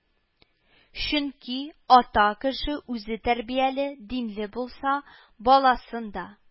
Чөнки ата кеше үзе тәрбияле, динле булса, баласын да